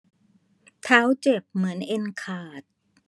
เท้าเจ็บเหมือนเอ็นขาด